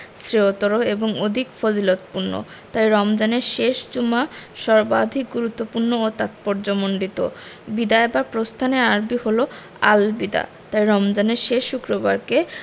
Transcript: শ্রেয়তর এবং অধিক ফজিলতপূর্ণ তাই রমজানের শেষ জুমা সর্বাধিক গুরুত্বপূর্ণ ও তাৎপর্যমণ্ডিত বিদায় বা প্রস্থানের আরবি হলো আল বিদা তাই রমজানের শেষ শুক্রবারকে